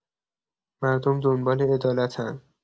مردم دنبال عدالتن.